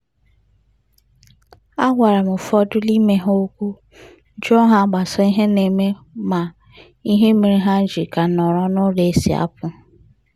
Agwara m ụfọdụ n'ime ha okwu jụọ ha gbasara ihe na-eme ma ihe mere ha ji ka nọrọ n'ụlọ esi apụ.